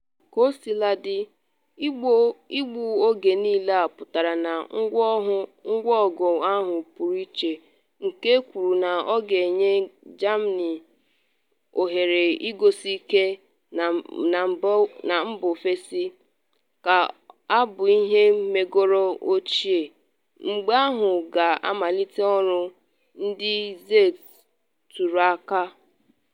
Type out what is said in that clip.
Kosiladị, igbu oge niile a pụtara na ngwa ọgụ ahụ pụrụ iche - nke ekwuru na ọ ga-enye Germany oghere igosi ike na mba ofesi -ga-abụ ihe megoro ochie mgbe ha ga-amalite ọrụ, Die Zelt tụrụ aka.